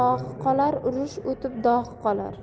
urush o'tib dog'i qolar